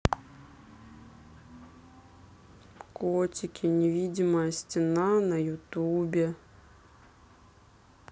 котики невидимая стена на ютубе